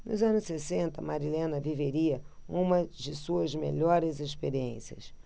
nos anos sessenta marilena viveria uma de suas melhores experiências